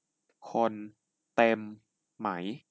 คนเต็มไหม